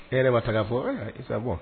E yɛrɛ ba fɛ ka fɔ . Ee ayi sakɔ